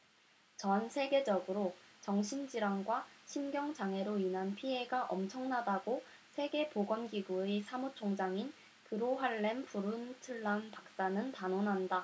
전 세계적으로 정신 질환과 신경 장애로 인한 피해가 엄청나다고 세계 보건 기구의 사무총장인 그로 할렘 브룬틀란 박사는 단언한다